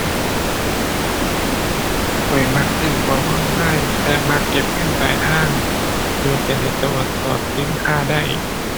ข้อยมักซื้อของออนไลน์และมักเก็บเงินปลายทาง เพื่อจะได้ตรวจสอบสินค้าได้